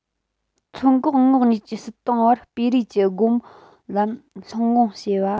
མཚོ འགག ངོགས གཉིས ཀྱི སྲིད ཏང བར སྤེལ རེས ཀྱི སྒོ མོ ལམ ལྷོང ངང ཕྱེ བ